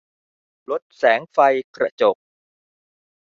ลดแสงไฟกระจก